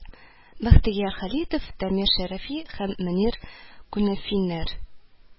Бәхтияр Халитов, Дамир Шәрәфи һәм Мөнир Кунафиннар